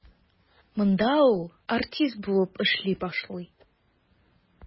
Монда ул артист булып эшли башлый.